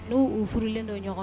N' uu furulen don ɲɔgɔn